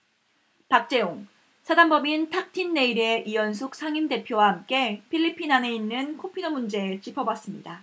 박재홍 사단법인 탁틴내일의 이현숙 상임대표와 함께 필리핀 안에 있는 코피노 문제 짚어봤습니다